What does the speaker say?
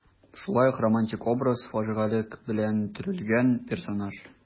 Шулай ук романтик образ, фаҗигалек белән төрелгән персонаж.